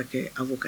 Ko kɛ